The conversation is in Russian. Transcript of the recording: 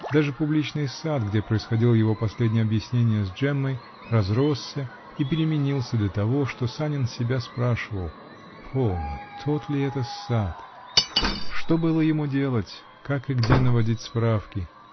даже публичный сад, где происходило его последнее объяснение с Джеммой, разросся и переменился до того, что Санин себя спрашивал -- полно, тот ли это сад? Что было ему делать? Как и где наводить справки?